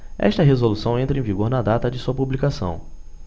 esta resolução entra em vigor na data de sua publicação